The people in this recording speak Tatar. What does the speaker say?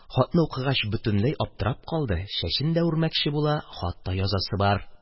Хатны укыгач, бөтенләй аптырап калды, чәчен дә үрмәкче була, хат та язасы бар.